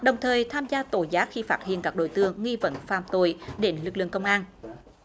đồng thời tham gia tố giác khi phát hiện các đối tượng nghi vấn phạm tội để lực lượng công an